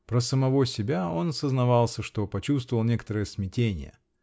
Про самого себя он сознавался, что почувствовал некоторое смятение.